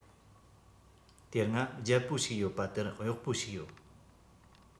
དེ སྔ རྒྱལ པོ ཞིག ཡོད པ དེར གཡོག པོ ཞིག ཡོད